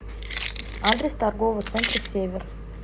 адрес торгового центра север